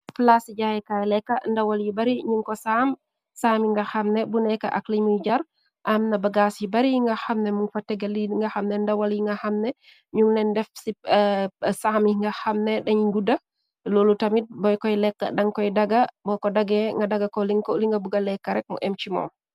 Plaasi jaayikaay lekka ndawal yi bari ñun ko saam. Saami nga xamne bu nekka ak liñmuy jàr. Am na ba gaas yi bari y nga xamne mu fa tega nga xamne ndawal. Yi nga xamne ñun leen def ci saami nga xamne dañ gudda loolu tamit. Bo koy lekk dan koy daga bo ko dage nga daga ko liko linga buga lekka rek mu em ci moo.